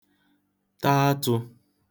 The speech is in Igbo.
ta atụ̄